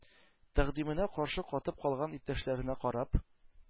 Тәкъдименә каршы катып калган иптәшләренә карап: